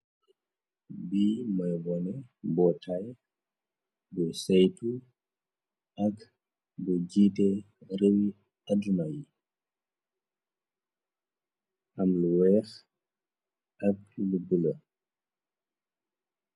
bi may bone bootaay bu saytu ak bu jiite réwi aduna yi am lu weex ak lubbula